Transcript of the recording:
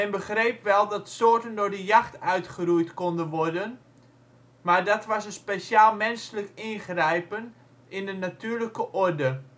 begreep wel dat soorten door de jacht uitgeroeid konden worden, maar dat was een speciaal menselijk ingrijpen in de natuurlijke orde